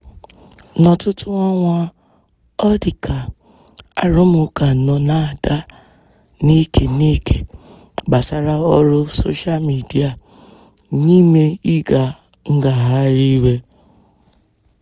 N'ọtụtụ ọnwa ọ dịka arụmụka nọ na-ada n'ike n'ike gbasara ọrụ sosha midia n'ime ịga ngagharị iwe.